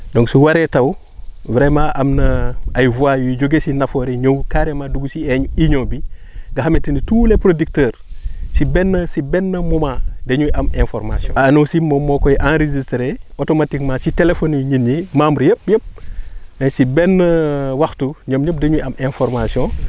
donc su waree taw vraiment am na ay voies yu jógee si Nafoore ñëw carrément dugg si union bi nga xamante ni tous les producteurs si benn si benn moment dañuy am information ANACIM moom moo koy enregistré automatiquement si téléphone yu nit ñi membres yëpp yëpp mais si benn waxtu ñoom ñëpp dañuy am information